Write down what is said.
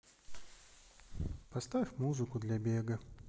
поставь музыку для бега